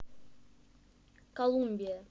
колумбия